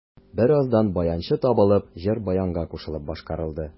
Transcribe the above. Бераздан баянчы табылып, җыр баянга кушылып башкарылды.